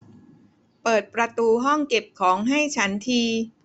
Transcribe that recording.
เปิดประตูห้องเก็บของให้ฉันที